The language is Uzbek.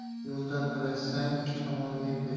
yo'ldan adashsang shamolga ergash